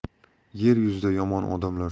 yer yuzida yomon odamlar